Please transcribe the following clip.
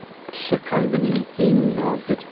kishi qalbining eng nozik